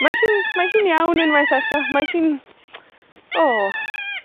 mae hi'n, mae hi'n iawn unwaith eto. Mae hi'n, o,